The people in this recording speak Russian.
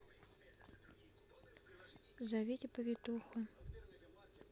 зовите повитуху